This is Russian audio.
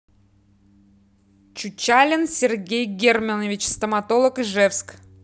чучалин сергей германович стоматолог ижевск